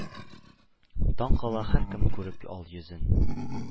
Таң кала һәркем күреп ал йөзен,